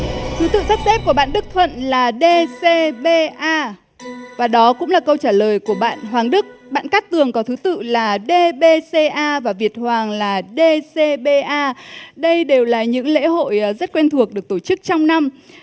tự sắp xếp của bạn đức thuận là đê xê bê a và đó cũng là câu trả lời của bạn hoàng đức bạn cát tường có thứ tự là đê bê xê a và việt hoàng là đê xê bê a đây đều là những lễ hội rất quen thuộc được tổ chức trong năm